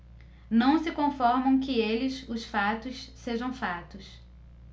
não se conformam que eles os fatos sejam fatos